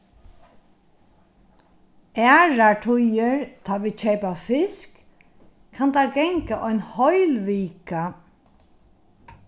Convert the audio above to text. aðrar tíðir tá vit keypa fisk kann tað ganga ein heil vika